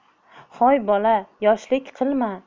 hoy bola yoshlik qilma